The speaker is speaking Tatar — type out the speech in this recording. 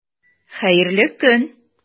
Хәерле көн!